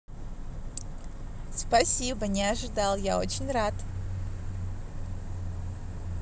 спасибо не ожидал я очень рад